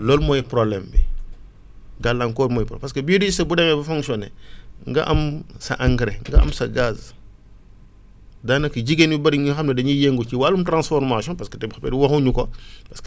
loolu mooy problème bi gàllankoor mooy pro parce que biodigesteur bu demee ba fonctionner nga am sa engrais nga am sa gaz daanaka jigéen yu bëri nga xam ne dañuy yëngu ci wàllum transformation parce que tamit waxuñu ko